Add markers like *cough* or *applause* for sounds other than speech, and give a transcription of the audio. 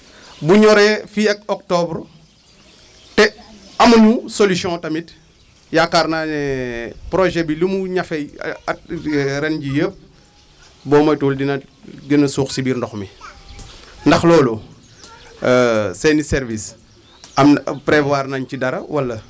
*breath* bu ñoree fii ak octobre te amuñu solution tamit yaakaar naa ne *hesitation* projet bi lu mu ñafe *hesitation* at *hesitation* ren jii yëpp boo moytuwul dina suux si biir ndox mi *crosstalk* ndax loolu *hesitation* seen i services am na prévoir nañ ci dara wala